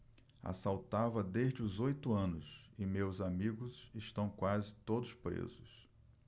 assaltava desde os oito anos e meus amigos estão quase todos presos